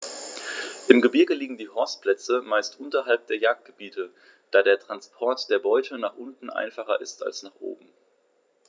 Im Gebirge liegen die Horstplätze meist unterhalb der Jagdgebiete, da der Transport der Beute nach unten einfacher ist als nach oben.